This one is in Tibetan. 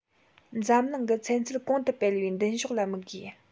འཛམ གླིང གི ཚན རྩལ གོང དུ སྤེལ བའི མདུན ཕྱོགས ལ དམིགས དགོས